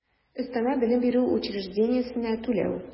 Өстәмә белем бирү учреждениесенә түләү